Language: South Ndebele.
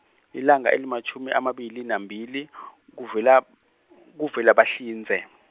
ilanga elimatjhumi amabili nambili , kuVela-, kuVelabahlinze.